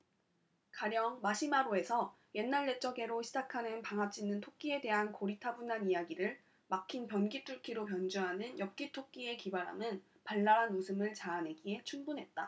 가령 마시마로 에서 옛날 옛적에 로 시작하는 방아 찧는 토끼에 대한 고리타분한 이야기를 막힌 변기뚫기로 변주하는 엽기토끼의 기발함은 발랄한 웃음을 자아내기에 충분했다